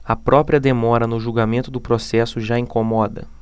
a própria demora no julgamento do processo já incomoda